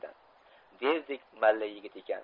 devdek malla yigit ekan